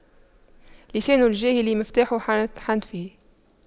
لسان الجاهل مفتاح حتفه